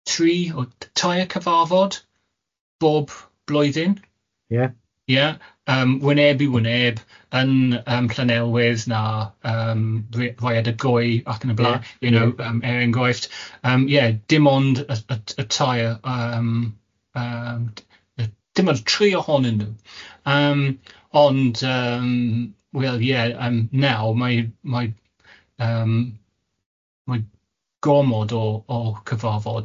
tri o tair cyfarfod bob blwyddyn... Ie. ...ie yym wyneb i wyneb yn yym Llanelwedd na yym re- Rhaead y Goe ac yn y blaen you know er enghraifft yym, ie dim ond y y t- y tair yym yym dim ond tri ohonyn nhw, yym ond yym wel ie yym nawr mae mae yym mae gormod o o cyfarfod.